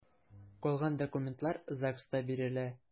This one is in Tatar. Калган документлар ЗАГСта бирелә.